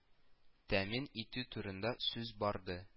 Тәэмин итү турында сүз барды